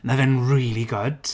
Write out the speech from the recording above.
Ma' fe'n really good.